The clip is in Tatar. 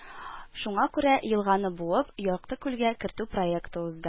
Шуңа күрә елганы буып, Якты күлгә кертү проекты узды